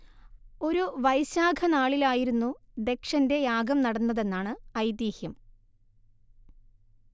ഒരു വൈശാഖ നാളിലായിരുന്നു ദക്ഷന്റെ യാഗം നടന്നതെന്നാണ് ഐതിഹ്യം